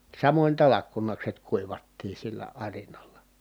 samoin talkkunakset kuivattiin sillä arinalla